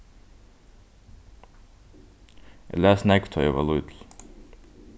eg las nógv tá ið eg var lítil